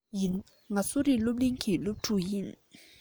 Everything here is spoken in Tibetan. ཡིན ང གསོ རིག སློབ གླིང གི སློབ ཕྲུག ཡིན